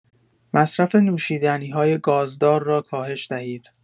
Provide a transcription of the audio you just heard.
مصرف نوشیدنی‌های گازدار را کاهش دهید.